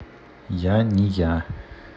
я не я